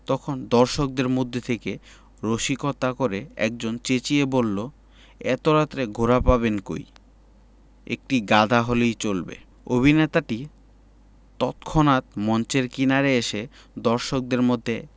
– তখন দর্শকদের মধ্য থেকে রসিকতা করে একজন চেঁচিয়ে বললো এত রাতে ঘোড়া পাবেন কই একটি গাধা হলে চলবে অভিনেতাটি তৎক্ষনাত মঞ্চের কিনারে এসে দর্শকদের মধ্যে